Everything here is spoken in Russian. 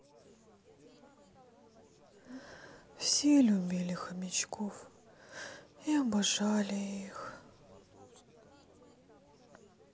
все любили хомячков и обожали их